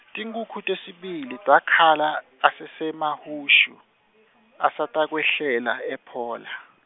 tinkhukhu tesibili takhala asaseMahushu, asatakwehlela ePhola.